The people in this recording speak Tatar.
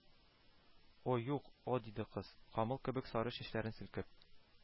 Юк, диде кыз, камыл кебек сары чәчләрен селкеп